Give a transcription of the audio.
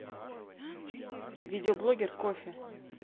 видеоблогер кофе